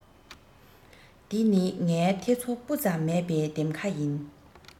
འདི ནི ངའི ཐེ ཚོ སྤུ ཙམ མེད པའི འདེམས ཁ ཡིན